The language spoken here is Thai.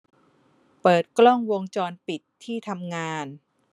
เปิดกล้องวงจรปิดที่ทำงาน